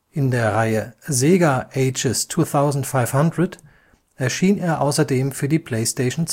In der Reihe SEGA AGES 2500 erschien er außerdem für die PlayStation